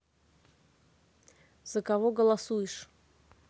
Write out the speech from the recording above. за кого голосуешь